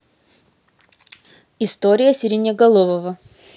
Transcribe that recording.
история сиреноголового